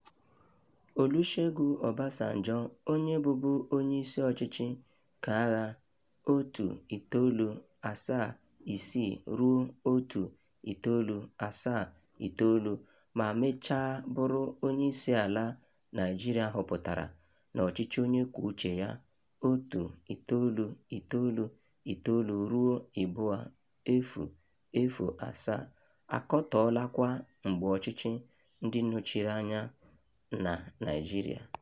Olusegun Obasanjo, onye bụbu onyeisi ọchịchị keagha (1976-1979) ma mechaa bụrụ onyeisiala Naịjirịa họpụtara n'ọchịchị onye kwuo uche ya (1999-2007), akatọọla kwa mgbe ọchịchị ndị nọchiri anya na Naịjirịa.